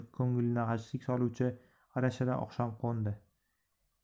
ko'ngilga g'ashlik soluvchi g'ira shira oqshom qo'ndi